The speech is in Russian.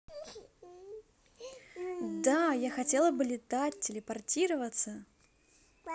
да я бы хотела бы летать телепортироваться